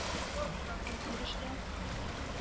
Үзйөрешле